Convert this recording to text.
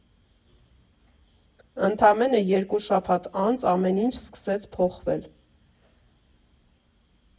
Ընդամենը երկու շաբաթ անց ամեն ինչ սկսեց փոխվել։